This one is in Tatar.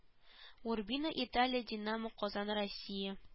Урбино италия динамо казан россия